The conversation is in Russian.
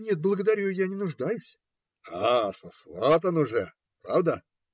- Нет, благодарю, я не нуждаюсь. - Сосватан уже? Правда?